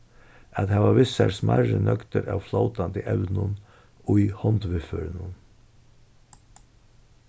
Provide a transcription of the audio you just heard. at hava við sær smærri nøgdir av flótandi evnum í hondviðførinum